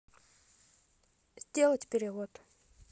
сделать перевод